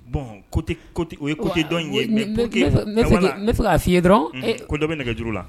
Bɔn o ye kote dɔn ye dɔrɔn ko dɔ bɛ nɛgɛ juru la